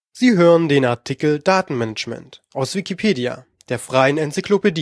Sie hören den Artikel Datenmanagement, aus Wikipedia, der freien Enzyklopädie